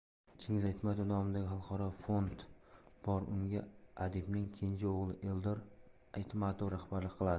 chingiz aytmatov nomidagi xalqaro fond bor unga adibning kenja o'g'li eldor aytmatov rahbarlik qiladi